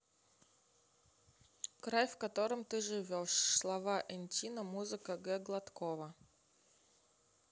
край в котором ты живешь слова энтина музыка г гладкова